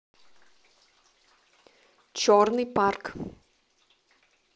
черный парк